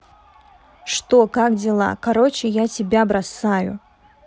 что как дела короче я тебя бросаю